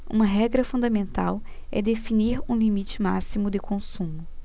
uma regra fundamental é definir um limite máximo de consumo